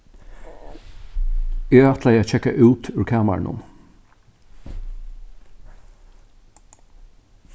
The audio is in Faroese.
eg ætlaði at kekka út úr kamarinum